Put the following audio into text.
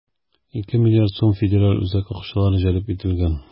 2 млрд сум федераль үзәк акчалары җәлеп ителгән.